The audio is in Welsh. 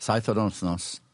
Saith ddiwrnod yr wthnos.